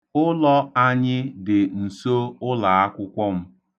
Ụlọ anyị dị nso ụlaakwụkwọ m.